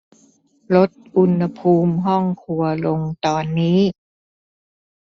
ลดอุณหภูมิห้องครัวลงตอนนี้